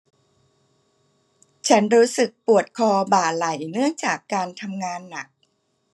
ฉันรู้สึกปวดคอบ่าไหล่เนื่องจากการทำงานหนัก